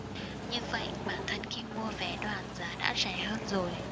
như vậy bản thân khi mua vé đoàn giá đã rẻ hơn rồi